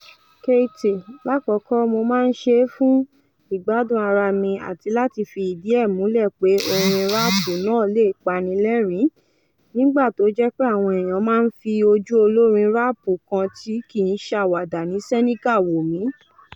Keyti: lákọ̀kọ́ọ̀ mo máa ń ṣe é fún ìgbádùn ara mi àti láti fi ìdí ẹ̀ múlẹ̀ pé orin ráàpù náà lè pani lẹ́rìn-ín, nígbà tó jẹ́ pé àwọn èèyan máa ń fi ojú olórin ráàpù kan tí kìí ṣàwàdà ní Senegal wò mí.